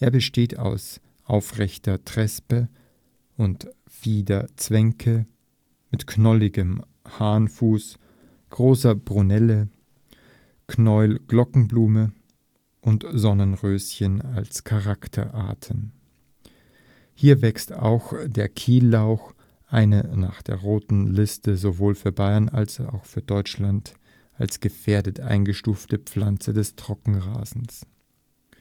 besteht aus Aufrechter Trespe und Fieder-Zwenke mit Knolligem Hahnenfuß, Großer Brunelle, Knäuel-Glockenblume und Sonnenröschen als Charakterarten. Hier wächst auch der Kiel-Lauch, eine nach der Roten Liste sowohl für Bayern wie für Deutschland als „ gefährdet “eingestufte Pflanze des Trockenrasens. Die